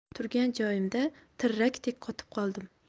turgan joyimda tirrakdek qotib qoldim